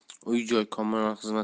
uy joy kommunal xizmat